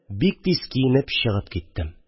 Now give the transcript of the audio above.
Бик тиз киенеп чыгып киттем.